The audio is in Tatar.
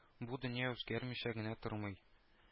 Бу дөнья үзгәрмичә генә тормый